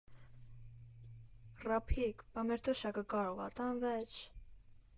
֊ Ռափիկ, պա մեր թոշակը կարողա՞ տան վեչ։